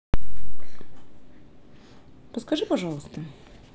подскажи пожалуйста